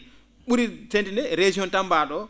?uri * région Tamba ?o